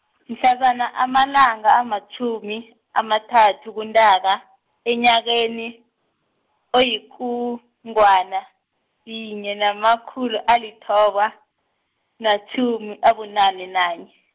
mhlazana amalanga amatjhumi, amathathu kuNtaka, enyakeni, oyikungwana, yinye, namakhulu alithoba, nalitjhumi abunane nanye.